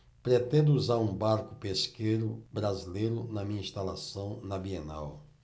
pretendo usar um barco pesqueiro brasileiro na minha instalação na bienal